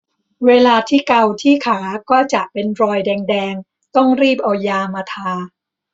เวลาที่เกาที่ขาก็จะเป็นรอยแดงแดงต้องรีบเอายามาทา